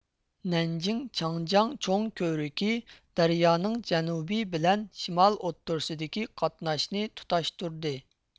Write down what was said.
نەنجىڭ چاڭجياڭ چوڭ كۆۋرۈكى دەريانىڭ جەنۇبى بىلەن شىمالى ئوتتۇرىسىدىكى قاتناشنى تۇتاشتۇردى